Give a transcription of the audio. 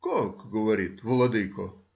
— Как,— говорит,— владыко?